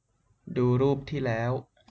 ดูรูปที่แล้ว